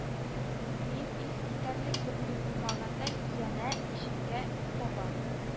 Мин, искитәрлек берни булмагандай, янә ишеккә таба